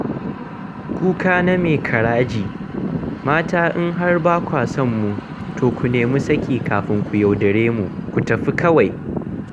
Kuka ne mai ƙaraji, mata in har ba kwa son mu to ku nemi saki kafin ku yaudare mu, ku tafi kawai.